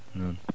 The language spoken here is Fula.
noon